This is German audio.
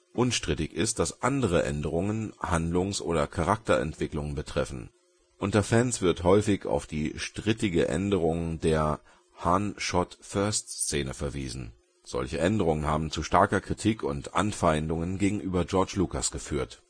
Unstrittig ist, dass andere Änderungen Handlungs - oder Charakterentwicklungen betreffen. Unter Fans wird häufig auf die strittige Änderung der „ Han shot first “- Szene (dt. „ Han schoss zuerst “) verwiesen. Solche Änderungen haben zu starker Kritik und Anfeindungen gegenüber George Lucas geführt